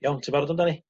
iawn t' barod amdani?